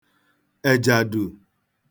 èjàdù